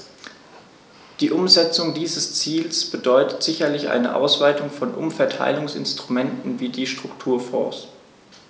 Die Umsetzung dieses Ziels bedeutet sicherlich eine Ausweitung von Umverteilungsinstrumenten wie die Strukturfonds.